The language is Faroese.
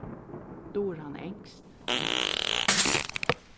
dugir hann enskt